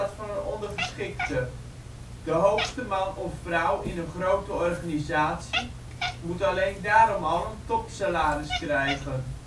ondergeschikte. De hoogste man of vrouw in een grote organisatie moet alleen daarom al een topsalaris krijgen